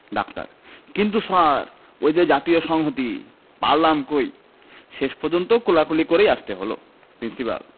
doctor কিন্তু sir ওই যে জাতীয় সংহতি পারলাম কই শেষ পর্যন্ত কোলাকুলি করেই আসতে হলো প্রিন্সিপাল